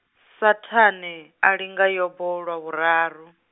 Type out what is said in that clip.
Saṱhane, a linga Yobo lwa vhuraru.